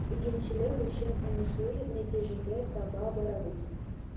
Игенчелек өчен уңышлы нәтиҗәгә таба барабыз.